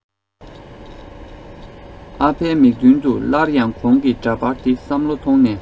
ཨ ཕའི མིག མདུན དུ སླར ཡང གོང གི འདྲ པར དེ བསམ བློ ཐོངས ནས